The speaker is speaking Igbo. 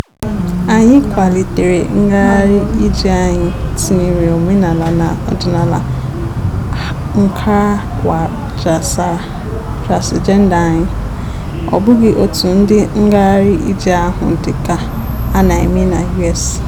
Anyị kwalitere ngagharị ije anyị tinyere omenala na ọdịnala KhawajaSara (transịjenda) anyị, ọ bụghị otu ụdị ngagharị ije ahụ dịka a na-eme na US.